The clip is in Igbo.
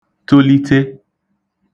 tolite